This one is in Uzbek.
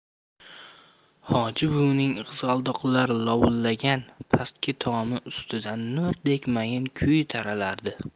hoji buvining qizg'aldoqlar lovullagan pastak tomi ustidan nurdek mayin kuy taralardi